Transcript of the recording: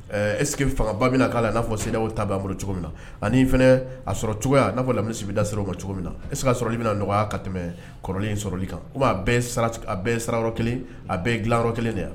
Ese fangaba min na k'a la n'a fɔ sen o ta bolo cogo min na ani fana aa sɔrɔ cogoyaya n'a fɔ lami bisimilabi da sira o ma cogo min minna e se ka sɔrɔ bɛna na nɔgɔya ka tɛmɛ kɔrɔ in sɔrɔli kan komi a bɛɛ sara yɔrɔ kelen a bɛɛ dila yɔrɔ kelen de yan